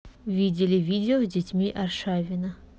видели видео с детьми аршавина